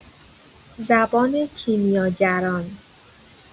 زبان کیمیاگران